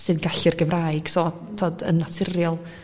sy'n gallu'r Gymraeg so t'od yn naturiol